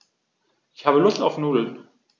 Ich habe Lust auf Nudeln.